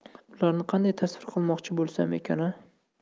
ularni qanday tasvir qilmoqchi bo'lsam ekana